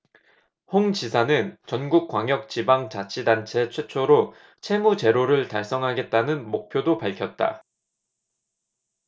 홍 지사는 전국 광역지방자치단체 최초로 채무 제로를 달성하겠다는 목표도 밝혔다